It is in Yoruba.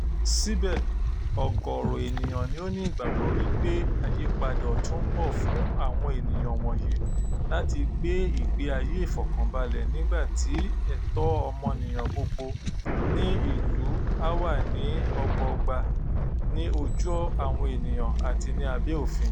Síbẹ̀, ọ̀gọ̀rọ̀ ènìyàn ni ó ní ìgbàgbọ́ wípé àyípadà ọ̀tún ń bọ̀ fún àwọn ènìyàn wọ̀nyí láti gbé ìgbé ayé ìfọkànbalẹ̀ nígbà tí ẹ̀tọ́ ọmọnìyàn gbogbo ní ìlú á wà ní ọ̀gbọọgba ní ojú àwọn ènìyàn àti ní abẹ́ òfin.